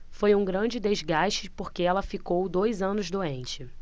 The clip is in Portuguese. foi um grande desgaste porque ela ficou dois anos doente